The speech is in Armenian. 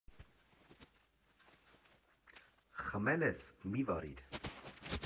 Խմե՞լ ես, մի՛ վարիր։